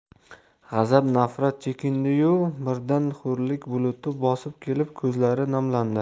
g'azab nafrat chekindi yu birdan xo'rlik buluti bosib kelib ko'zlari namlandi